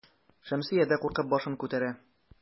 Шәмсия дә куркып башын күтәрә.